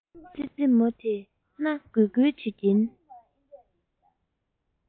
ཙི ཙི མོ དེས སྣ འགུལ འགུལ བྱེད ཀྱིན